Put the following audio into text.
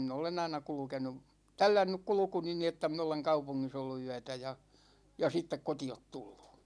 minä olen aina kulkenut tällännyt kulkuni niin että minä olen kaupungissa ollut yötä ja ja sitten kotiin tullut